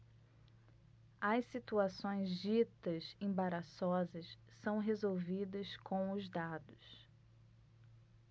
as situações ditas embaraçosas são resolvidas com os dados